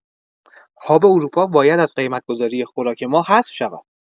هاب اروپا باید از قیمت‌گذاری خوراک ما حذف شود.